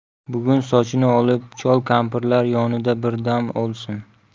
bugun sochini olib chol kampirlar yonida bir dam olsin